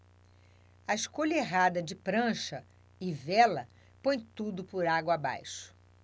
a escolha errada de prancha e vela põe tudo por água abaixo